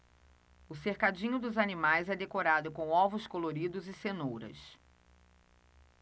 o cercadinho dos animais é decorado com ovos coloridos e cenouras